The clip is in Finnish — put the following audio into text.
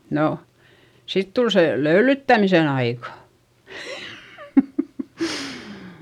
no sitten tuli se löylyttämisen aika